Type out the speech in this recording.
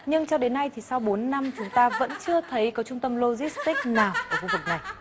nhưng cho đến nay thì sau bốn năm chúng ta vẫn chưa thấy có trung tâm lô dít tích nào ở khu vực này